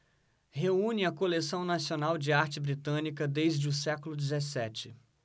reúne a coleção nacional de arte britânica desde o século dezessete